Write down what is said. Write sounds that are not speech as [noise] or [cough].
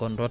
[hesitation] [hesitation]